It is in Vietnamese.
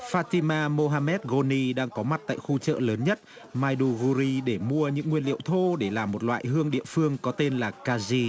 pha ti ma mô ha mét gôn ni đang có mặt tại khu chợ lớn nhất mai đu gu ri để mua những nguyên liệu thô để làm một loại hương địa phương có tên là ca ri